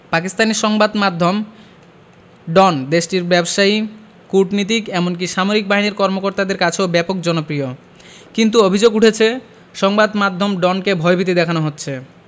পাকিস্তানি সংবাদ মাধ্যম ডন দেশটির ব্যবসায়ী কূটনীতিক এমনকি সামরিক বাহিনীর কর্মকর্তাদের কাছেও ব্যাপক জনপ্রিয় কিন্তু অভিযোগ উঠেছে সংবাদ মাধ্যম ডনকে ভয়ভীতি দেখানো হচ্ছে